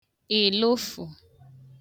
ị̀lụfụ̀